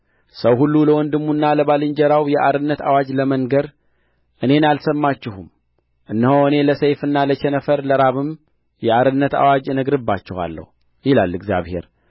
ሰው ሁሉ ለወንድሙና ለባልንጀራው የአርነት አዋጅ ለመንገር እኔን አልሰማችሁም እነሆ እኔ ለሰይፍና ለቸነፈር ለራብም የአርነት አዋጅ እናገርባችኋለሁ ይላል እግዚአብሔር